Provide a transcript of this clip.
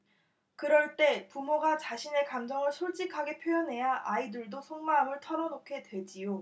그럴 때 부모가 자신의 감정을 솔직하게 표현해야 아이들도 속마음을 털어 놓게 되지요